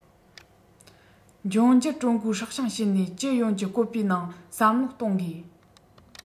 འབྱུང འགྱུར ཀྲུང གོའི སྲོག ཤིང བྱེད ནས སྤྱི ཡོངས ཀྱི བཀོད པའི ནང བསམ བློ གཏོང དགོས